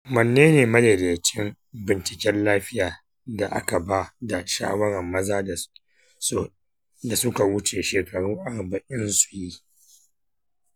wanne ne madaidaicin binciken lafiya da aka ba da shawarar maza da suka wuce shekaru arba'in su yi?